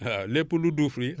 waaw lépp lu duuf lii